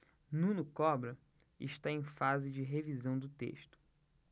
nuno cobra está em fase de revisão do texto